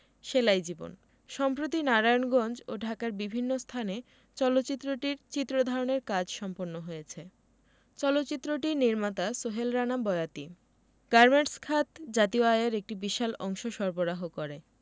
সেলাই জীবন সম্প্রতি নারায়ণগঞ্জ ও ঢাকার বিভিন্ন স্থানে চলচ্চিত্রটির চিত্র ধারণের কাজ সম্পন্ন হয়েছে চলচ্চিত্রটির নির্মাতা সোহেল রানা বয়াতি গার্মেন্টস খাত জাতীয় আয়ের একটি বিশাল অংশ সরবারহ করে